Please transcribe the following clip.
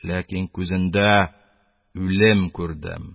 Ләкин күзендә үлем күрдем,